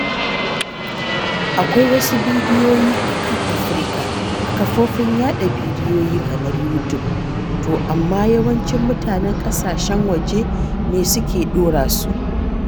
Akwai wasu bidiyoyin a kan Afirka a kafofin yaɗa bidiyoyi kamar YouTube, to amma yawanci mutanen ƙasashen waje ne suke ɗora su.